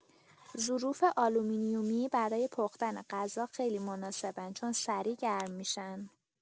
ظروف آلومینیومی برای پختن غذا خیلی مناسبن چون سریع گرم می‌شن.